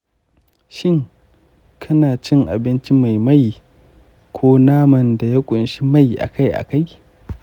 shin, kana cin abinci mai mai ko naman da ya ƙunshi mai akai-akai?